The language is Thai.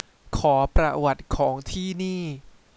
ขอประวัติของที่นี่